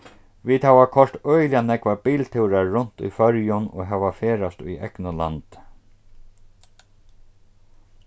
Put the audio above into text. vit hava koyrt øgiliga nógvar biltúrar runt í føroyum og hava ferðast í egnum landi